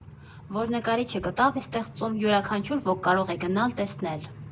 «Որ նկարիչը կտավ է ստեղծում, յուրաքանչյուր ոք կարող է գնալ, տեսնել։